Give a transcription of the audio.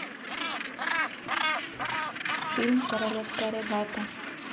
фильм королевская регата